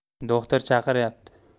do'xtir chaqiryapti